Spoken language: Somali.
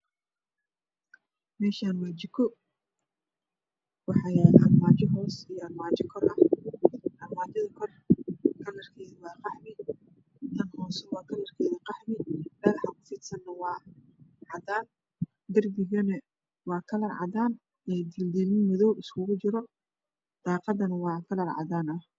Meeshaan waa jiko waxaa yaalo armaajo hoos iyo armaajo kor ah. Armaajada kor kalarkeedu waa qaxwi tan hoosana waa qaxwi dagaxa dhexda kufidsana waa cadaan darbiga waa cadaan oo diilmodiilmo madow kujiro daaqadana waa cadaan.